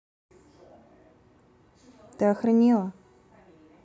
ты охренела